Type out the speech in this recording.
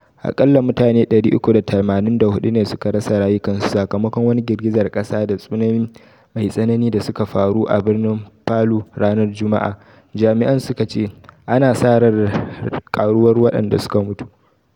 Akalla mutane 384 ne suka rasa rayukansu sakamakon wani girgizar kasa da tsunami mai tsanani da suka faru a birnin Palu ranar Juma’a, Jami'an suka ce, ana sa ran karuwar waɗanda suka mutu.